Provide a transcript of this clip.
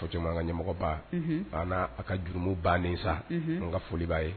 O tuma an ka ɲɛmɔgɔba; Unhun; An n'a ka jurumu bannen sa; Unhun; An ka foli b'a ye.